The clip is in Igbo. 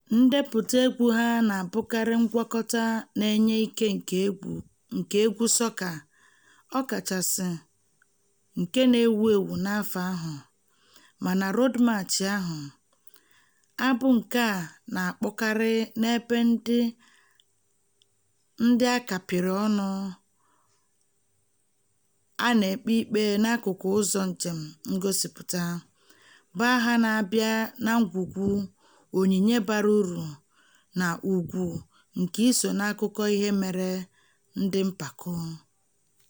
Ndepụta egwu ha na-abụkarị ngwakọta na-enye ike nke egwu sọka kachasị ewu ewu n'afọ ahụ, mana Road March ahụ — abụ nke a na-akpọkarị n'ebe ndị a kapịrị ọnụ a na-ekpe ikpe n'akụkụ ụzọ njem ngosipụta — bụ aha na-abịa na ngwugwu onyinye bara uru na ùgwù nke iso n'akụkọ ihe mere dị mpako.